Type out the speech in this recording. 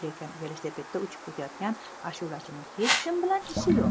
lekin velosipedda uchib ketayotgan ashulachining hech kim bilan ishi yo'q